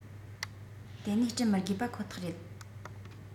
དེ ནས བསྐྲུན མི དགོས བ ཁོ ཐག རེད